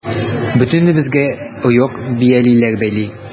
Бөтенебезгә оек-биялиләр бәйли.